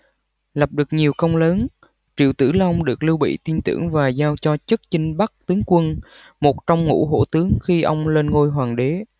lập được nhiều công lớn triệu tử long được lưu bị tin tưởng và giao cho chức chinh bắc tướng quân một trong ngũ hổ tướng khi ông lên ngôi hoàng đế